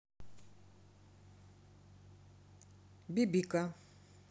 бибика